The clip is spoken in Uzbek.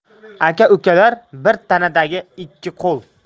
aka ukalar bir tanadagi ikki qo'l